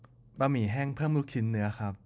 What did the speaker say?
บะหมี่แห้งเพิ่มลูกชิ้นเนื้อครับ